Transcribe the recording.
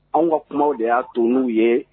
Anw ka kumaw de y'a to n'u ye